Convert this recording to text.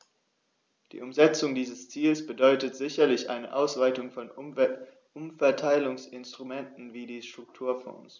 Die Umsetzung dieses Ziels bedeutet sicherlich eine Ausweitung von Umverteilungsinstrumenten wie die Strukturfonds.